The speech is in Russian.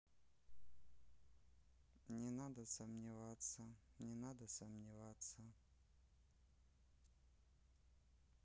не надо сомневаться не надо сомневаться